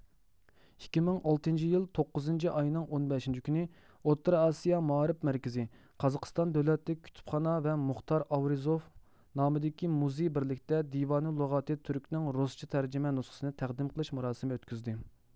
ئىككى مىڭ ئالتىنچى يىل توققۇزىنچى ئاينىڭ ئون بەشىنچى كۈنى ئوتتۇرا ئاسىيا مائارىپ مەركىزى قازاقىستان دۆلەتلىك كۇتۇپخانا ۋە مۇختار ئاۋىزوۋ نامىدىكى مۇزېي بىرلىكتە دىۋانۇ لۇغاتىت تۈركنىڭ رۇسچە تەرجىمە نۇسخىسىنى تەقدىم قىلىش مۇراسىمى ئۆتكۈزدى